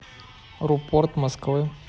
рупорт москвы